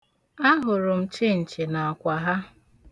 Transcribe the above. Ahụrụ m chịnchị n'akwa ha.